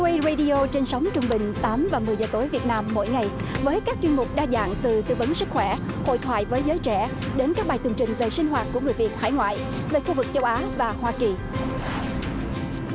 ây rây đi ô trên sóng trung bình tám và mười giờ tối việt nam mỗi ngày với các chuyên mục đa dạng từ tư vấn sức khỏe hội thoại với giới trẻ đến các bài tường trình về sinh hoạt của người việt hải ngoại về khu vực châu á và hoa kỳ